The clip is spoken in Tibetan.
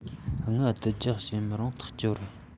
དངུལ བསྡུ རྒྱུག བྱེད མི རུང ཐག ཆོད རེད